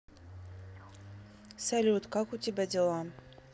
салют как у тебя дела